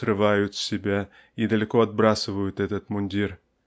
срывают с себя и далеко отбрасывают этот мундир.